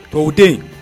To o den